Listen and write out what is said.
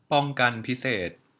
ป้องกันพิเศษ